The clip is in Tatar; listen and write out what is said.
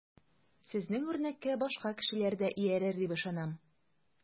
Сезнең үрнәккә башка кешеләр дә иярер дип ышанам.